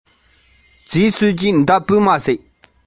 ཡིད སྨོན བྱ དགོས པ ཞིག ལ